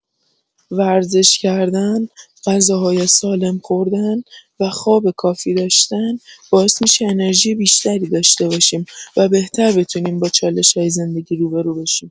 ورزش کردن، غذاهای سالم خوردن و خواب کافی داشتن باعث می‌شه انرژی بیشتری داشته باشیم و بهتر بتونیم با چالش‌های زندگی روبه‌رو بشیم.